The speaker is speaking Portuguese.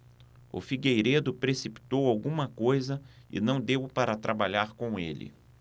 o figueiredo precipitou alguma coisa e não deu para trabalhar com ele